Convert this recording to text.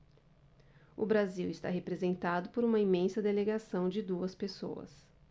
o brasil está representado por uma imensa delegação de duas pessoas